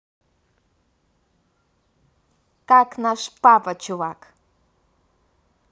кто наш папа чувак